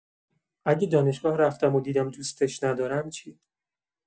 اگه دانشگاه رفتم و دیدم دوستش ندارم چی؟